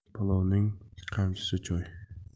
palovning qamchisi choy